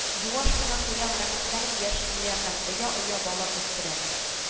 Юаш кына куян рәхәтләнеп яши бирә һәм оя-оя бала үстерә